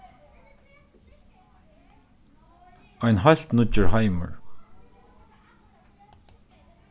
ein heilt nýggjur heimur